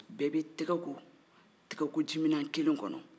bɛɛ bɛ i tɛgɛ ko tɛgɛkojimina kelen kɔnɔ